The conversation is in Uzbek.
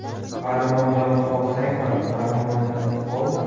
armondan qolsang ham darmondan qolma